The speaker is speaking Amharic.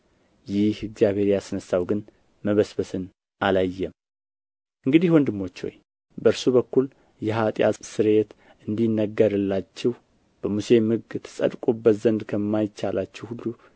ይህ እግዚአብሔር ያስነሣው ግን መበስበስን አላየም እንግዲህ ወንድሞች ሆይ በእርሱ በኩል የኃጢአት ስርየት እንዲነገርላችሁ በሙሴም ሕግ ትጸድቁበት ዘንድ ከማይቻላችሁ ሁሉ